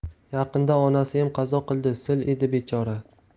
yaqinda onasiyam qazo qildi sil edi bechora